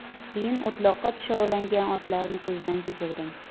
keyin o'tloqqa tushovlangan otlarni ko'zdan kechirdim